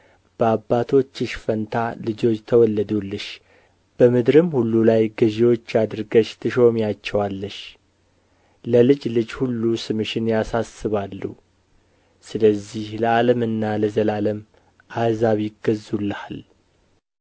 በአባቶችሽ ፋንታ ልጆች ተወለዱልሽ በምድርም ሁሉ ላይ ገዥዎች አድርገሽ ትሾሚያቸዋለሽ ለልጅ ልጅ ሁሉ ስምሽን ያሳስባሉ ስለዚህ ለዓለምና ለዘላለም አሕዛብ ይገዙልሃል